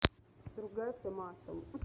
ты ругаешься матом